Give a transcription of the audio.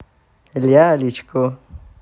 лялечку